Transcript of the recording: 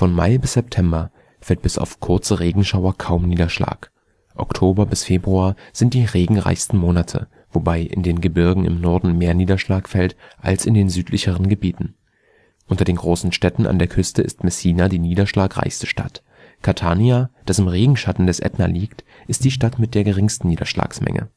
Mai bis September fällt bis auf kurze Regenschauer kaum Niederschlag. Oktober bis Februar sind die regenreichsten Monate, wobei in den Gebirgen im Norden mehr Niederschlag fällt als in den südlicheren Gebieten. Unter den großen Städten an der Küste ist Messina die niederschlagreichste Stadt. Catania, das im Regenschatten des Ätna liegt, ist die Stadt mit der geringsten Niederschlagsmenge